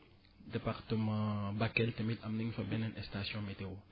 département Bakel tamit am nañ fa beneen station météo